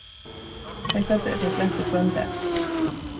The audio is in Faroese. tey søgdu at tey flentu hvønn dag